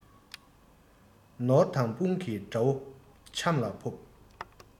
ནོར དང དཔུང གིས དགྲ བོ ཆམ ལ ཕོབ